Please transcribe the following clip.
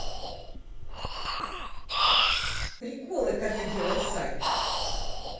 приколы когда делать сальто